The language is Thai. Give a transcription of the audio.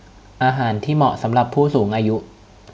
อาหารที่เหมาะสำหรับผู้สูงอายุ